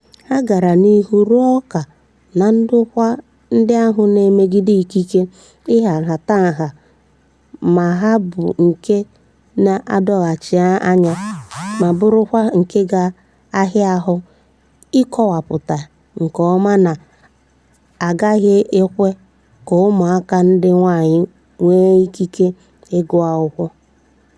Ha gara n'ihu rụọ ụka na ndokwa ndị ahụ na-emegide ikike ịha nhatanha ma ha bụ nke na-edochaghị anya ma bụrụkwa nke ga-ahịa ahụ ịkọwapụta nke ọma nke na-agaghị ekwe ka ụmụaka ndị nwaanyị nwee ikike ịgụ akwụkwọ.